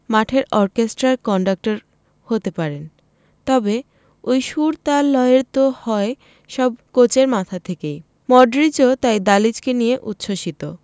মাঠের অর্কেস্ট্রার কন্ডাক্টর হতে পারেন তবে ওই সুর তাল লয়ের তো হয় সব কোচের মাথা থেকেই মডরিচও তাই দালিচকে নিয়ে উচ্ছ্বসিত